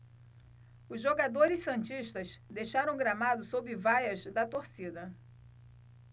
os jogadores santistas deixaram o gramado sob vaias da torcida